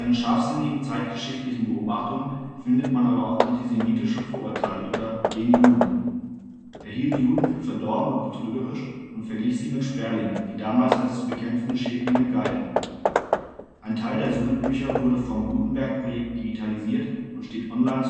scharfsinnigen zeitgeschichtlichen Beobachtungen findet man aber auch antisemitische Vorurteile über " den Juden ". Er hielt Juden für verdorben und betrügerisch und verglich sie mit Sperlingen, die damals als zu bekämpfende Schädlinge galten. Ein Teil der Sudelbücher wurde vom Gutenberg-Projekt digitalisiert und steht online